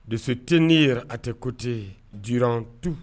Deteinin a tɛ kote jiratu